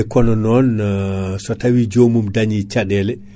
kono Aprostar kam ko solution wonande reemoɓe